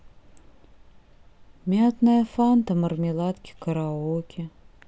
мятная фанта мармеладки караоке